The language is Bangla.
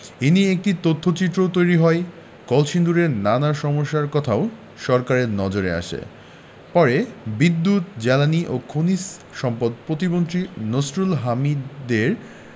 এ নিয়ে একটি তথ্যচিত্রও তৈরি করা হয় কলসিন্দুরের নানা সমস্যার কথাও সরকারের নজরে আসে পরে বিদ্যুৎ জ্বালানি ও খনিজ সম্পদ প্রতিমন্ত্রী নসরুল হামিদদের